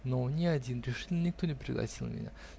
но ни один, решительно никто не пригласил меня